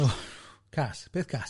O, cas, peth cas.